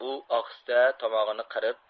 u ohista tomog'ini qirib